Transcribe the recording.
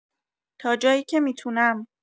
تا جایی که می‌تونم